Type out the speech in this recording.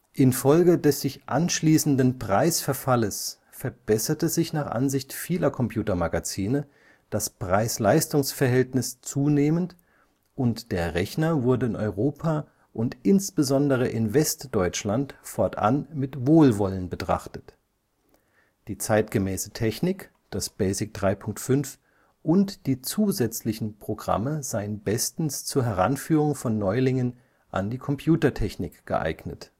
Infolge des sich anschließenden Preisverfalles verbesserte sich nach Ansicht vieler Computermagazine das Preis -/ Leistungsverhältnis zunehmend und der Rechner wurde in Europa und insbesondere in Westdeutschland fortan mit Wohlwollen betrachtet – die zeitgemäße Technik, das BASIC 3.5 und die zusätzlichen Programme seien bestens zur Heranführung von Neulingen an die Computertechnik geeignet